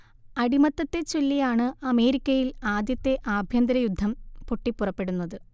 അടിമത്തത്തെച്ചൊല്ലിയാണ് അമേരിക്കയിൽ ആദ്യത്തെ ആഭ്യന്തര യുദ്ധം പൊട്ടിപ്പുറപ്പെടുന്നത്